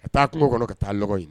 Ka taa kungo kɔnɔ ka taa lɔgɔ ɲini